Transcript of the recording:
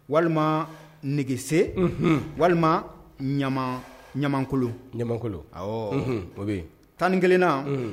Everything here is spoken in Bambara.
Walima nɛgɛgese walima ɲamankolon ɲamankolon o bɛ tan ni kelenna